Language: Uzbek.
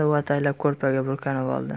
u ataylab ko'rpaga burkanib oldi